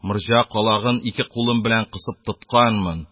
Морҗа калагын ике кулым белән кысып тотканмын,